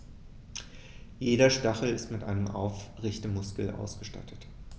Jeder Stachel ist mit einem Aufrichtemuskel ausgestattet.